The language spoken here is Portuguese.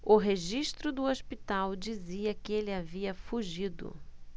o registro do hospital dizia que ele havia fugido